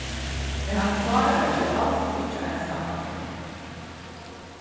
tí hann klárar seg als ikki einsamallur